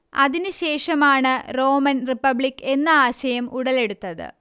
അതിന് ശേഷം ആണ് റോമൻ റിപ്പബ്ലിക്ക് എന്ന ആശയം ഉടലെടുത്തത്